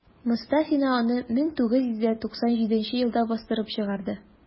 Мостафина аны 1997 елда бастырып чыгарды.